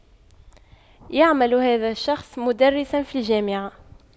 يعمل هذا الشخص مدرسا في الجامعة